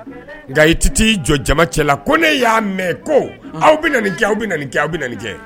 Nka i ti t'i jɔ jama cɛla ko ne y'a mɛ koo aw bena nin kɛ aw bena nin kɛ aw bena nin kɛ